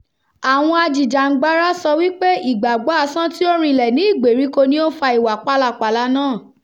Àwọn ajìjàngbara sọ wípé ìgbàgbọ́-asán tí ó rinlẹ̀ ní ìgbèríko ni ó ń fa ìwà pálapalà náà.